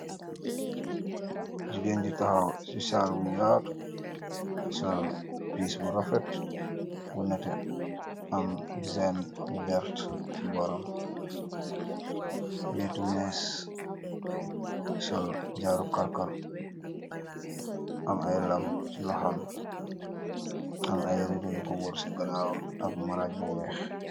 Gigain ju takhaw cii saal bu yaatu, sol piss bu rafet bu nehteh, am design bu vert cii bohram, lehtu meeche, sol jaarou karr karr, amm aiiy lamm ci lokhom, am aiiy ridoh yukor wohrre ci ganawam ak marajj bu wekh.